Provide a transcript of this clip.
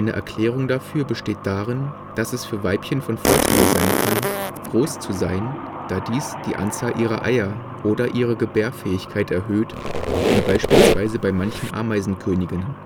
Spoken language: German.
Erklärung dafür besteht darin, dass es für Weibchen von Vorteil sein kann, groß zu sein, da dies die Anzahl ihrer Eier oder ihre Gebärfähigkeit erhöht, wie beispielsweise bei manchen Ameisenköniginnen